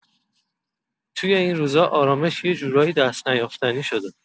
توی این روزا، آرامش یه جورایی دست‌نیافتنی شده.